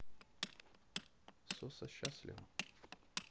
coca счастлива